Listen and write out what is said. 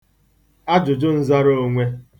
ajụ̀jụn̄zāraonwe